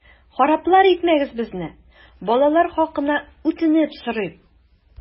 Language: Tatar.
Хараплар итмәгез безне, балалар хакына үтенеп сорыйм!